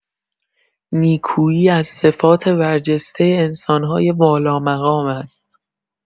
نیکوئی از صفات برجسته انسان‌های والامقام است.